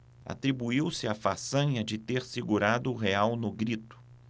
atribuiu-se a façanha de ter segurado o real no grito